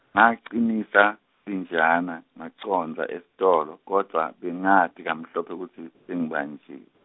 Ngacinisa, sibinjana, ngacondza esitolo, kodvwa, bengati kamhlophe kutsi, sengibanji-.